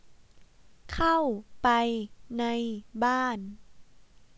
เข้าไปในบ้าน